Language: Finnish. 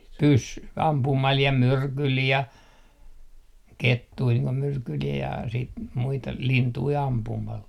- ampumalla ja myrkyllä ja kettuja niin kuin myrkyllä ja sitten muita lintuja ampumalla